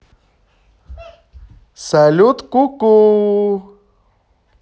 салют куку